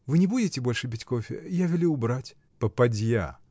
Вы не будете больше пить кофе? Я велю убрать. — Попадья!